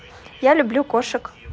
я люблю кошек